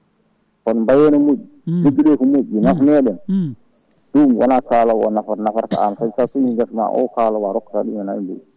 kono mbaaye no moƴƴi liggoɗe ko moƴƴi nafameɗen ɗum wona kalowo o nafata nafata ko an saabu sa soñi guesama o kalowo a rokkata ɗum hen hay mbuɗu